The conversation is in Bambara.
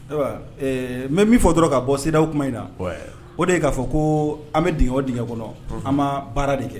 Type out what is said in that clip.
Ayiwa ɛɛ, n bɛ min fɔ o dɔrɔn ka bɔ CEDEAO kuma in na; Wɛɛ;o de ye k'a fɔ ko an bɛ dingɛ o dingɛ kɔnɔ ;Unhun; an ma baara de kɛ.